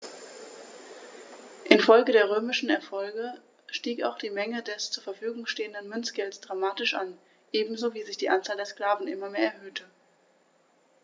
Infolge der römischen Erfolge stieg auch die Menge des zur Verfügung stehenden Münzgeldes dramatisch an, ebenso wie sich die Anzahl der Sklaven immer mehr erhöhte.